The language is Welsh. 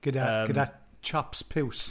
Gyda... yym. ...gyda chops piws.